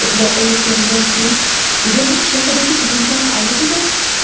o'tloqqa yetganidan keyin sigirning shoxidagi tugunchani oladi da